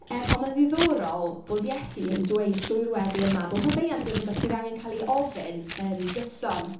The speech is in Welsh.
Yym, ond mae'n ddiddorol bod Iesu yn dweud trwy'r weddi yma bo' maddeuant yn rywbeth sydd angen cael ei ofyn yn gyson.